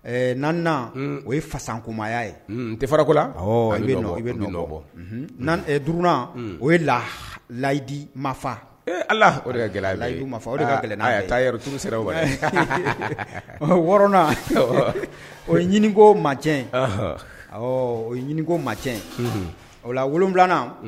Ɛɛ na o ye fasakumamaya ye defarako la i bɛ mɔgɔ d o ye laha layidi ma ala o de gɛlɛyayidu o gɛlɛnna taauru sera wɔɔrɔnna o ɲininko mac o ɲininko mac o la wolon wolonwula